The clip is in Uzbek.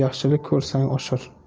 yaxshilik ko'rsang oshir